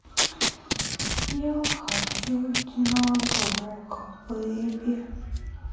я хочу единорога беби